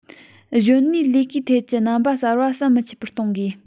གཞོན ནུའི ལས ཀའི ཐད ཀྱི རྣམ པ གསར པ ཟམ མི འཆད པར གཏོད དགོས